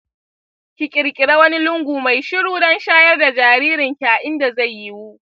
ki kirkira wani lungu mai shiru don shayar da jaririnki a inda zai yiwu.